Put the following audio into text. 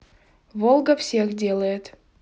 волга всех делает